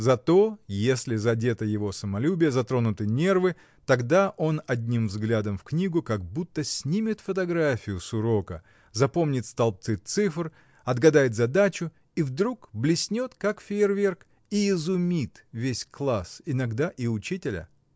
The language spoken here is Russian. Зато если задето его самолюбие, затронуты нервы, тогда он одним взглядом в книгу как будто снимет фотографию с урока, запомнит столбцы цифр, отгадает задачу — и вдруг блеснет, как фейерверк, и изумит весь класс, иногда и учителя.